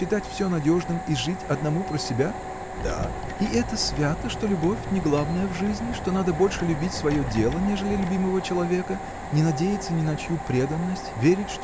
считать все ненадежным и жить одному про себя? – Да. – И это свято что любовь не главное в жизни что надо больше любить свое дело нежели любимого человека не надеяться ни на чью преданность верить